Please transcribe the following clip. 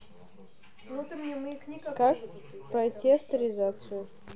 как пройти авторизацию